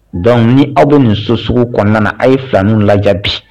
Dɔnku ni aw bɛ nin so sugu kɔnɔna a' ye filanw la bi